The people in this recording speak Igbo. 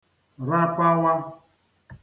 rapawa